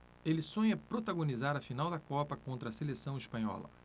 ele sonha protagonizar a final da copa contra a seleção espanhola